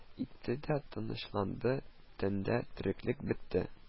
Итте дә тынычланды, тәндә тереклек бетте